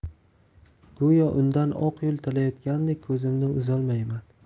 go'yo undan oq yo'l tilayotgandek ko'zimni uzolmayman